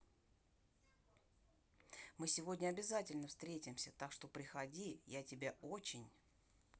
мы сегодня обязательно встретимся так что приходи я тебя очень